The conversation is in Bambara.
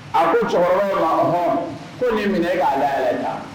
A ko cɛkɔrɔba in ma, ɔnhɔn, ko ne minɛ e k'a dayɛlɛ tan